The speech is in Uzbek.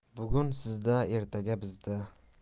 bugun sizdan ertaga bizdan